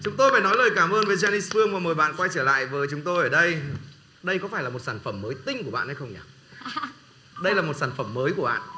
chúng tôi phải nói lời cảm ơn với de li phương và mời bạn quay trở lại với chúng tôi ở đây đây có phải là một sản phẩm mới tinh của bạn hay không nhở đây là một sản phẩm mới của bạn